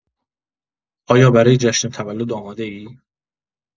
آیا برای جشن تولد آماده‌ای؟